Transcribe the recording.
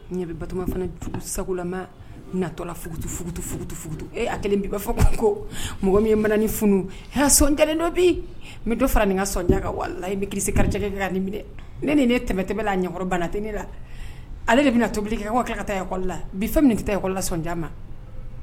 Ɲa bato fana sagolama natɔlatututu e kelen bi b'a fɔ ko ko mɔgɔ min mana ni funu son kelen dɔ bi n bɛ dɔ fara nin ka sonɲaka wala la i bɛ kilisi karijɛ kaani minɛ ne ni ne tɛmɛtɛ bɛ la a ɲɛkɔrɔ bana tɛ ne la ale de bɛna tobili kɛ kɛ ka taakɔlila la bi fɛn minɛ ka taakɔla sondiya ma